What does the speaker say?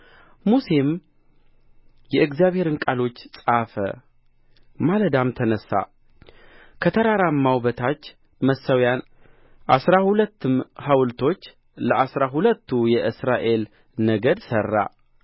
ሙሴም የእግዚአብሔርን ቃሎች ጻፈ ማለዳም ተነሣ ከተራራውም በታች መሠዊያን አሥራ ሁለትም ሐውልቶች ለአሥራ ሁለቱ የእስራኤል ነገድ ሠራ